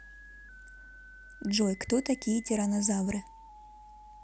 джой кто такие тиранозавры